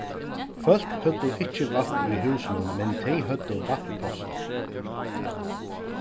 fólk høvdu ikki vatn í húsunum men tey høvdu vatnpostar